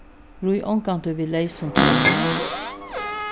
ríð ongantíð við leysum teymum